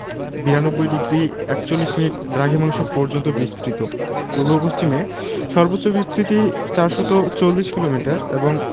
৯২ degree ৪১মিনিট দ্রাঘিমাংশ পর্যন্ত বিস্তৃত পূর্ব পশ্চিমে সর্বোচ্চ বিস্তৃতি ৪৪০ কিলোমিটার এবং